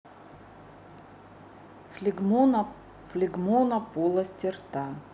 флегмона полости рта